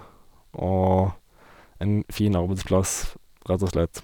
Og en fin arbeidsplass, rett og slett.